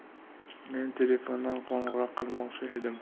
men telefondan qo'ng'iroq qilmoqchi edim